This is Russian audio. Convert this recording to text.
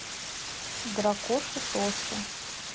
дракоша тоша